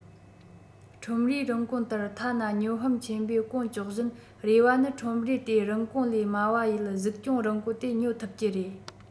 ཁྲོམ རའི རིན གོང ལྟར ཐ ན སྨྱོ ཧམ ཆེན པོས གོང བཅོག བཞིན རེ བ ནི ཁྲོམ རའི དེ རིན གོང ལས དམའ བ ཡི གཟིགས སྐྱོང རིན གོང དེ ཉོ ཐུབ ཀྱི རེད